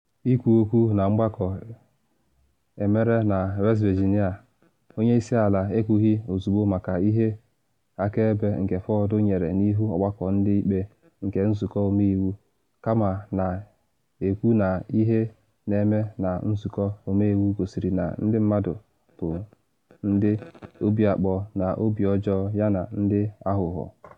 Ikwu okwu na mgbakọ emere na West Virginia, onye isi ala ekwughi ozugbo maka ihe akaebe nke Ford nyere n’ihu Ọgbakọ Ndị Ikpe nke Nzụkọ Ọmeiwu, kama na ekwu na ihe na eme na Nzụkọ Ọmeiwu gosiri na ndị mmadụ bụ ndị “obi akpọ na obi ọjọọ yana ndị aghụghọ.”